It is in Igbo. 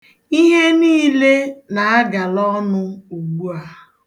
Ihe niile na-agara ọnụ ugbu a.